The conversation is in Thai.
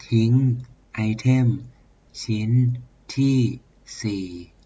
ทิ้งไอเทมชิ้นที่สี่